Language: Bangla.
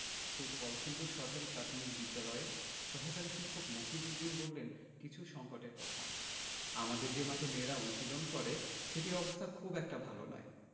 সেই কলসিন্দুর সরকারি প্রাথমিক বিদ্যালয়ের সহকারী শিক্ষক মফিজ উদ্দিন বললেন কিছু সংকটের কথা আমাদের যে মাঠে মেয়েরা অনুশীলন করে সেটির অবস্থা খুব একটা ভালো নয়